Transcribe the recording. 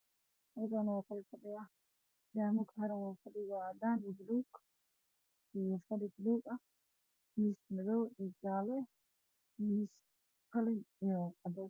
Waa labo fadhi oo madow ah iyo labo barkin